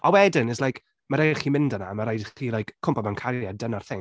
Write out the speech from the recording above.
A wedyn, it’s like, mae rhaid i chi mynd yna a mae rhaid i chdi like, cwympo mewn cariad. Dyna’r thing.